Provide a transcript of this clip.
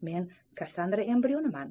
men kassandra embrionman